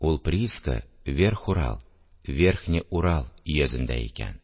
– ул прииска верхурал (верхне урал) өязендә икән